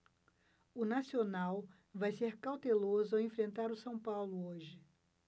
o nacional vai ser cauteloso ao enfrentar o são paulo hoje